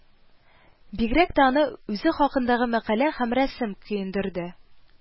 Бигрәк тә аны үзе хакындагы мәкалә һәм рәсем көендерде